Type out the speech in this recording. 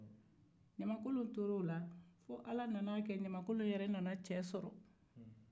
ɲamankolon tora o la fo ala nan'a kɛ ɲamankolon yɛrɛ nana cɛ sɔrɔ